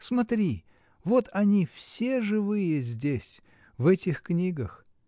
Смотри: вот они все живые здесь — в этих книгах.